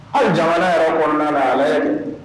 Hli jamana yɛrɛ kɔnɔna na a lajɛ kɛ.